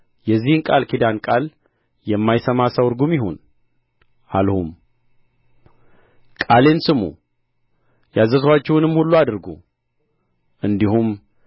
የዚህን ቃል ኪዳን ቃል የማይሰማ ሰው ርጉም ይሁን አልሁም ቃሌን ስሙ ያዘዝኋችሁንም ሁሉ አድርጉ እንዲሁም